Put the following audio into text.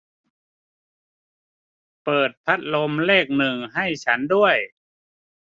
เปิดพัดลมเลขหนึ่งให้ฉันด้วย